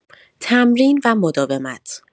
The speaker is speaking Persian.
تمرین و مداومت